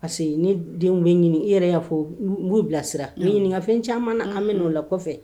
Parce que ne denw bɛ ɲinika, i yɛrɛ y'a fɔ n b'u bilasira ni ɲininkali fɛn caaman an bɛ na o la kɔfɛ